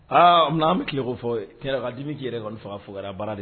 Aa an bɛko fɔ kira ka dimi k'i yɛrɛ kɔni faga fo kɛra baara de